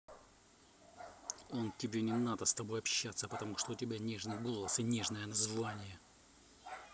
он тебе не надо с тобой общаться потому что у тебя нежный голос и нежное название